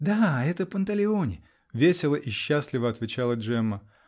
-- Да, это Панталеоне, -- весело и счастливо отвечала Джемма.